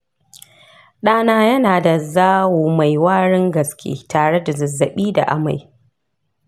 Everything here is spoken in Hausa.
ɗana yana da zawo mai warin gaske tare da zazzabi da amai